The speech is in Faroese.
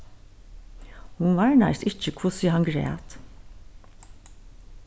hon varnaðist ikki hvussu hann græt